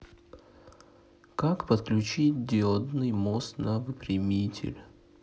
как подключить диодный мост на выпрямитель